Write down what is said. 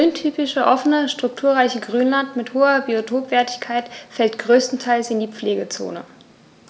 Das rhöntypische offene, strukturreiche Grünland mit hoher Biotopwertigkeit fällt größtenteils in die Pflegezone.